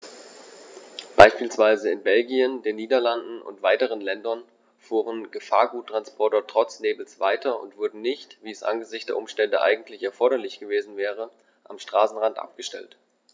Beispielsweise in Belgien, den Niederlanden und weiteren Ländern fuhren Gefahrguttransporter trotz Nebels weiter und wurden nicht, wie es angesichts der Umstände eigentlich erforderlich gewesen wäre, am Straßenrand abgestellt.